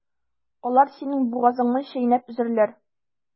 Алар синең бугазыңны чәйнәп өзәрләр.